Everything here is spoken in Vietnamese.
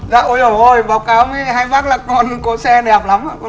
dạ ôi dồi ôi báo cáo với hai bác là con có xe đẹp lắm ạ